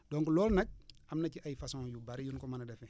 donc loolu nag am na ci ay façon yu bari yuñ ko mën a defee